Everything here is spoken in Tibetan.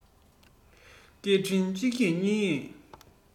སྐད འཕྲིན གཅིག གཡེང གཉིས གཡེང